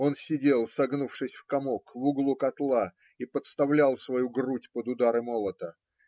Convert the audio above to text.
Он сидел, согнувшись в комок, в углу котла и подставлял свою грудь под удары молота.